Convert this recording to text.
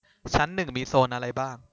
ชั้นหนึ่งมีโซนอะไรบ้าง